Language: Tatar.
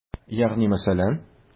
Ягъни мәсәлән?